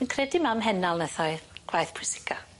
Fi'n credu 'ma ym Mhennal nath o ei gwaith pwysica.